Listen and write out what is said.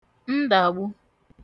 ǹdagbu